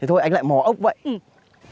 thế thôi anh lại mò ốc vậy